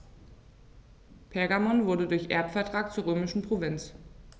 Pergamon wurde durch Erbvertrag zur römischen Provinz.